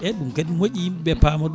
eyyi ɗum kadi ne moƴƴi yimɓeɓe paama ɗum